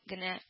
Генә